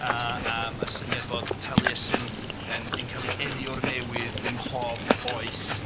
A yym y syniad bod Taliesin yn yn cael ei eni o'r newydd ym mhob oes.